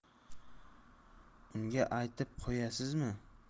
unga aytib qo'yasizmi